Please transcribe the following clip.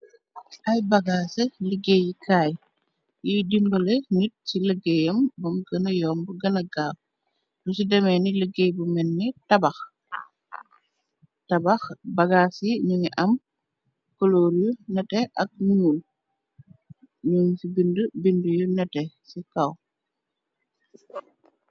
ay bagaasi liggéey yi kaay yiy dimbale nit ci liggéey am bum gëna yomb gëna gaaw lu ci demee ni liggéey bu menni tabax bagaa ci ñu ngi am coloor yu nete ak nu nyul ñuñ ci bind bind yu nete ci kaw